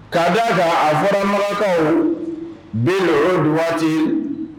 Ka da a kan a fara marakaw bin o duwa